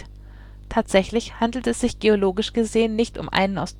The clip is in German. geologisch gesehen nicht um einen aus